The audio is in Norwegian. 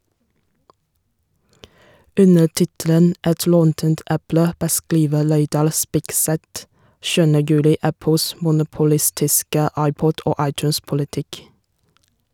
Under tittelen «Et råttent eple» beskriver Reidar Spigseth 7. juli Apples monopolistiske iPod- og iTunes-politikk.